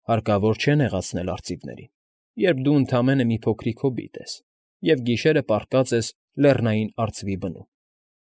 Հարկավոր չէ նեղացնել արծիվներին, երբ դու ընդամենը մի փոքրիկ հոբիտ ես և գիշերը պարկած ես լեռնային արծվի բնում։